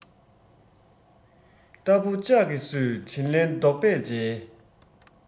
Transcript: རྟ བོ ལྕགས གིས གསོས དྲིན ལན རྡོག པས འཇལ